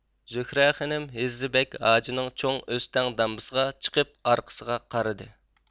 زۆھرە خېنىم ھېززىبەگ ھاجىنىڭ چوڭ ئۆستەڭ دامبىسىغا چىقىپ ئارقىسىغا قارىدى